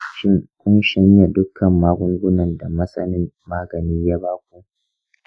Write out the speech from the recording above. shin kun shanye dukkan magungunan da masanin magani ya ba ku?